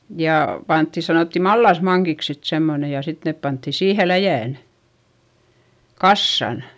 ja pantiin sanottiin mallasmankiksi sitten semmoinen ja sitten ne pantiin siihen läjään kasaan